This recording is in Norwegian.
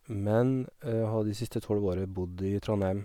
Men jeg har de siste tolv åra bodd i Trondheim.